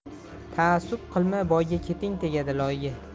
taassub qilma boyga keting tegadi loyga